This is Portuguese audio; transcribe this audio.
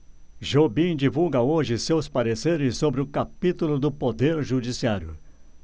jobim divulga hoje seus pareceres sobre o capítulo do poder judiciário